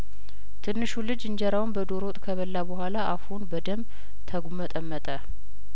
ትንሹ ልጅ እንጀራውን በዶሮ ወጥ ከበላ በኋላ አፉን በደም ተጉመጠመጠ